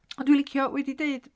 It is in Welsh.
Ond dwi'n licio... wedi dweud...